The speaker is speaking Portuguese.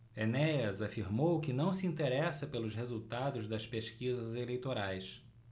enéas afirmou que não se interessa pelos resultados das pesquisas eleitorais